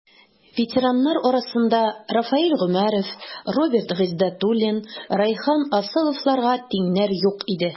Ветераннар арасында Рафаэль Гомәров, Роберт Гыйздәтуллин, Рәйхан Асыловларга тиңнәр юк иде.